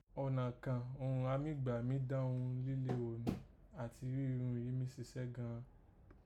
Ọ̀nà kàn òghun a mí gbà mí dán oogun líle ghò àti rí irun yìí mí sisẹ́ gan an